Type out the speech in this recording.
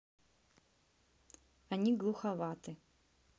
они глуховаты